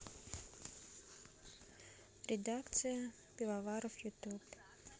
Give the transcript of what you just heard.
редакция пивоваров ютуб